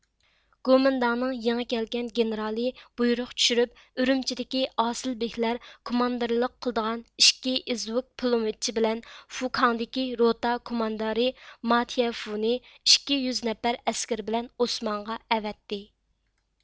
گومىنداڭنىڭ يېڭى كەلگەن گېنېرالى بۇيرۇق چۈشۈرۈپ ئۈرۈمچىدىكى ئاسىلبىكلەر كوماندىرلىق قىلىدىغان ئىكى ئىزۋوك پىلىموتچى بىلەن فۇكاڭدىكى روتا كوماندىرى ماتيەنفۇنى ئىككى يۈز نەپەر ئەسكىرى بىلەن ئوسمانغا ئەۋەتتى